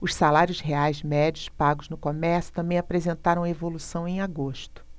os salários reais médios pagos no comércio também apresentaram evolução em agosto